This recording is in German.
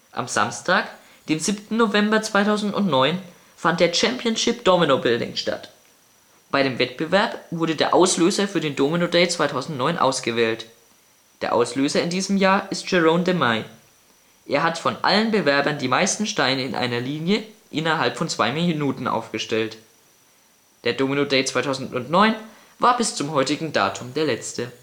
Am Samstag, dem 7. November 2009, fand der „ Championship Domino Building “statt. Bei dem Wettbewerb wurde der Auslöser für den Domino Day 2009 ausgewählt. Der Auslöser in diesem Jahr ist Jeroen de Meij. Er hat von allen Bewerbern die meisten Steine in einer Linie innerhalb von 2 Minuten aufgestellt. Der Domino Day 2009 war bis zum heutigen Datum der letzte